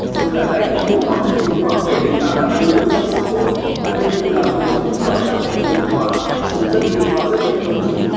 giống gà này có tuổi thọ trung bình khoảng năm nếu được chăm sóc tốt gà lông lụa là một trong những loài gia cầm được thuần hóa chúng rất hiền và rất thích quấn chủ